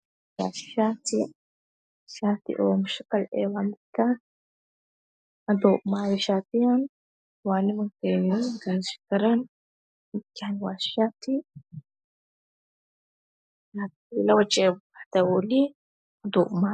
Waa shaati. shaati oo mushakal ah waaye midkaan .haduu imaaday shaatigaan. Waa nimanka waa wayn. midkaan waa shaati labo jeeb xitaa wuu leeyahay.